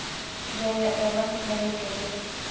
женя эванс на ютубе